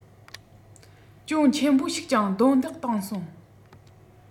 ཅུང ཆེན པོ ཞིག ཀྱང རྡུང རྡེག གཏང སོང